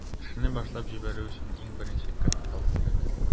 Эшне башлап җибәрү өчен иң беренче капитал кирәк.